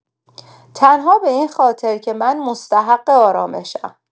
تنها به این خاطر که من مستحق آرامشم.